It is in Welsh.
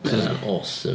'Sa hynna'n awesome.